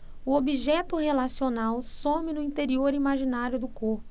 o objeto relacional some no interior imaginário do corpo